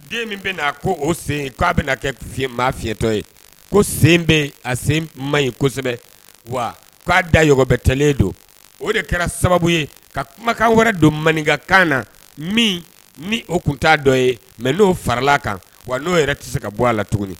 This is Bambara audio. Den min bɛ' ko o sen k'a bɛ kɛ maa fiɲɛtɔ ye ko sen bɛ a sen man ɲi kosɛbɛ wa k'a da yɔrɔbɛtɛlen don o de kɛra sababu ye ka kumakan wɛrɛ don maninkakan na min ni o kunta dɔ ye mɛ n'o farala kan wa n'o yɛrɛ tɛ se ka bɔ a la tuguni